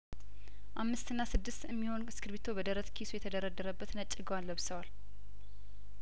አምስትና ስድስት እሚሆን እስክሪብቶ በደረት ኪሱ የተደረደረበት ነጭ ጋዋን ለብሰዋል